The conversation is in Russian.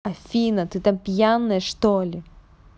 афина ты там пьяная что ли